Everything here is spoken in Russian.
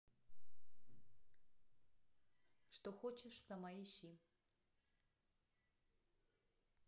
что хочешь сама ищи